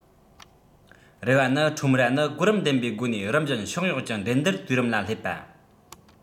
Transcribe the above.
རེ བ ནི ཁྲོམ ར ནི གོ རིམ ལྡན པའི སྒོ ནས རིམ བཞིན ཕྱོགས ཡོངས ཀྱི འགྲན བསྡུར དུས རིམ ལ སླེབས པ